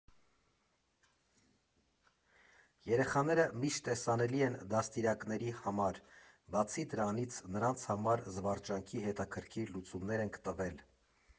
Երեխաները միշտ տեսանելի են դաստիարակների համար, բացի դրանից, նրանց համար զվարճանքի հետաքրքիր լուծումներ ենք տվել։